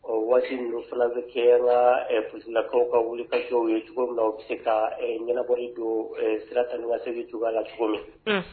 O waati ninnu fana bɛ kɛ an ka finitigilakaw ka wulikajɔw ye cogo min na u bɛ se kaa ɛɛ ɲanabɔlidon sira taa ni ka segin cogoya la cogo min